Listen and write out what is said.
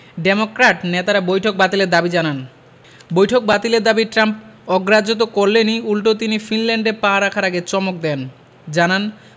Democrat নেতারা বৈঠক বাতিলের দাবি জানান বৈঠক বাতিলের দাবি ট্রাম্প অগ্রাহ্য তো করলেনই উল্টো তিনি ফিনল্যান্ডে পা রাখার আগে চমক দেন জানান